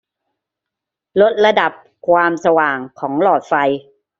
ลดระดับความสว่างของหลอดไฟ